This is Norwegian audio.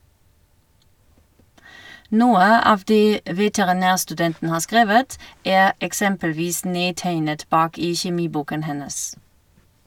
Noe av det veterinærstudenten har skrevet, er eksempelvis nedtegnet bak i kjemiboken hennes.